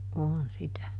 on sitä